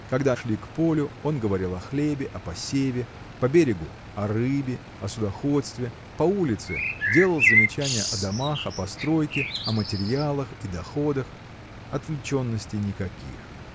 Когда шли к полю, он говорил о хлебе, о посеве по берегу – о рыбе, о судоходстве по улице – делал замечания о домах о постройке о материалах и доходах. отвлеченностей никаких.